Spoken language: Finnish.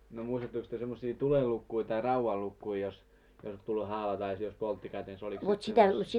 no muistattekos te semmoisia tulenlukuja tai raudanlukuja jos jos tuli haava tai jos poltti kätensä olikos sitten semmoisia